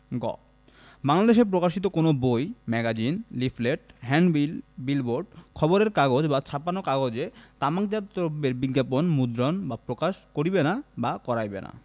গ বাংলাদেশে প্রকাশিত কোন বই ম্যাগাজিন লিফলেট হ্যান্ডবিল বিলবোর্ড খবরের কাগজ বা ছাপানো কাগজে তামাকজাত দ্রব্যের বিজ্ঞাপন মুদ্রণ বা প্রকাশ করিবে না বা করাইবে না